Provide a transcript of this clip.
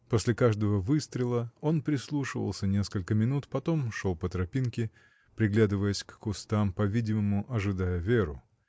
После каждого выстрела он прислушивался несколько минут, потом шел по тропинке, приглядываясь к кустам, по-видимому, ожидая Веру.